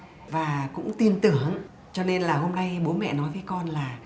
và cũng tin tưởng cho nên là hôm nay bố mẹ nói với con là